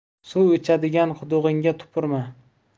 suv ichadigan qudug'ingga tupurma